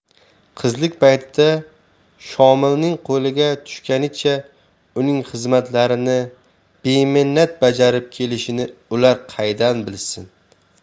qizlik paytida shomilning qo'liga tushganicha uning xizmatlarini beminnat bajarib kelishini ular qaydan bilsinlar